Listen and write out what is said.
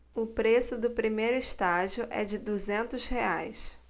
o preço do primeiro estágio é de duzentos reais